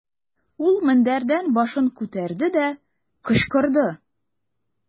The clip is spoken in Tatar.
Ул мендәрдән башын күтәрде дә, кычкырды.